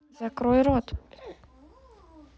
закрой рот